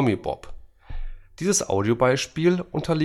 im Zuschauerbereich. Unter